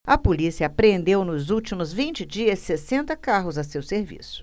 a polícia apreendeu nos últimos vinte dias sessenta carros a seu serviço